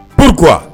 Bikura